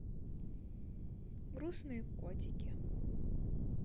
грустные котики